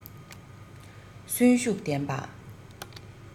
གསོན ཤུགས ལྡན པ